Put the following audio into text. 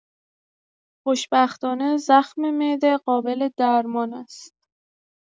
خوشبختانه زخم معده قابل‌درمان است.